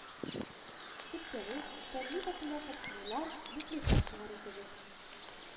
Үткәрү, фәнни-популяр тапшырулар, буклетлар чыгару кебек